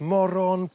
moron